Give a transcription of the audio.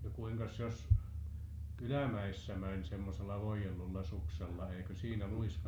no kuinkas jos ylämäissä meni semmoisella voidellulla suksella eikö siinä luiskahtanut